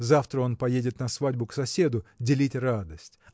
завтра он поедет на свадьбу к соседу – делить радость